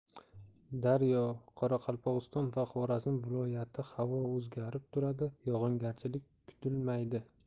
daryo qoraqalpog'iston va xorazm viloyatihavo o'zgarib turadi yog'ingarchilik kutilmaydi